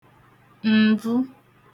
m̀vụ